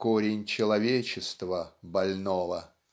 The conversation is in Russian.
корень человечества больного.